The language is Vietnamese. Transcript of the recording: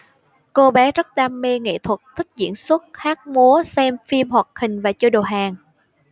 cô bé rất đam mê nghệ thuật thích diễn xuất hát múa xem phim hoạt hình và chơi đồ hàng